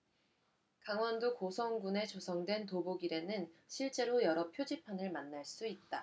강원도 고성군에 조성된 도보길에서는 실제로 여러 표지판을 만날 수 있다